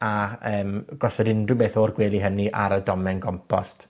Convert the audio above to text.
a yym, gosod unryw beth o'r gwely hynny ar y domen compost.